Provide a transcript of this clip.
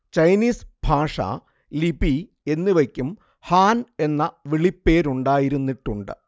Chinese ഭാഷ ലിപി എന്നിവയ്ക്കും ഹാൻ എന്ന വിളിപ്പേരുണ്ടായിരുന്നിട്ടുണ്ട്